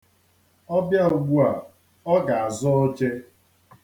Ọ bịa ugbua, ọ ga-azọ oche.